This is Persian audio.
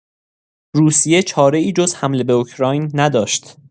روسیه چاره‌ای جز حمله به اوکراین نداشت.